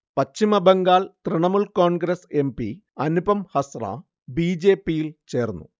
Paschim Bangal Trinamool Congress M P Anupam Hazra ബിജെപിയിൽ ചേർന്നു